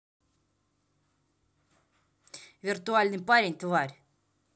виртуальный парень тварь